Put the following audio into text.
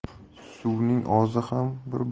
suvning ozi ham bir